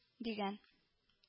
– дигән